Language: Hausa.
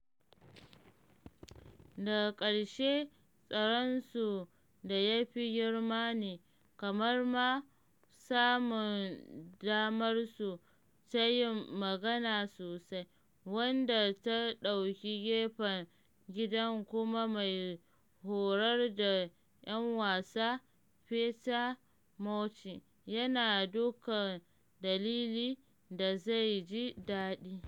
Daga ƙarshe, tsaronsu da ya fi girma ne, kamar ma samun damarsu ta yin magana sosai, wanda ta ɗauki gefen gidan kuma mai horar da ‘yan wasa Peter Murchie yana dukkan dalili da zai ji daɗi.